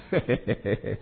Ee